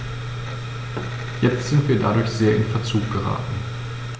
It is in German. Jetzt sind wir dadurch sehr in Verzug geraten.